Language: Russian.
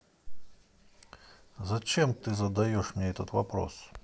зачем ты задаешь мне этот вопрос